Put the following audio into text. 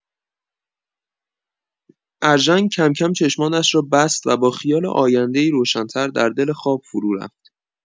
ارژنگ کم‌کم چشمانش را بست و با خیال آینده‌ای روشن‌تر در دل خواب فرورفت.